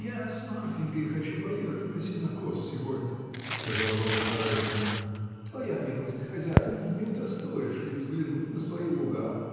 — Я с Марфинькой хочу поехать на сенокос сегодня, — сказала бабушка Райскому, — твоя милость, хозяин, не удостоишь ли взглянуть на свои луга?